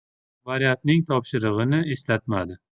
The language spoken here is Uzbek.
rahbariyatning topshirig'ini eslatmadi